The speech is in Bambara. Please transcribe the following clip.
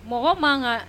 Mɔgɔ man kan